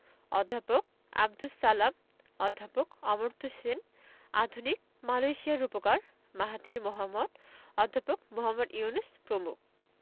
অধ্যাপক আবদুস সালাম অধ্যাপক অমর্ত্য সেন আধুনিক মালয়েশিয়ার রূপকার মাহাথির মোহাম্মদ অধ্যাপক মুহম্মদ ইউনুস প্রমুখ